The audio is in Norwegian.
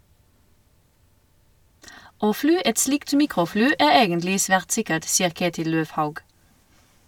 - Å fly et slikt mikrofly er egentlig svært sikkert, sier Ketil Løvhaug.